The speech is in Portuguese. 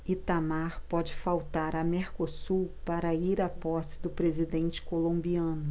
itamar pode faltar a mercosul para ir à posse do presidente colombiano